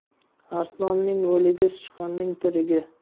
arslonning o'ligi sichqonning tirigi